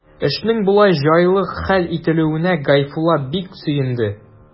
Эшнең болай җайлы хәл ителүенә Гайфулла бик сөенде.